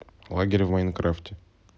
лагерь в майнкрафте